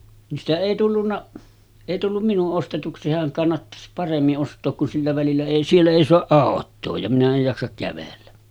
niin sitä ei tullut ei tullut minun ostetuksi sehän kannattaisi paremmin ostaa kun sillä välillä ei siellä ei saa autoa ja minä en jaksa kävellä